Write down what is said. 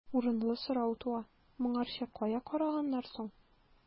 Урынлы сорау туа: моңарчы кая караганнар соң?